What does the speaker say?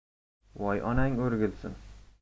voy onang o'rgilsin